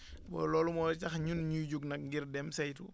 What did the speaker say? bon loolu moo tax ñun ñuy jug nag ngir dem saytu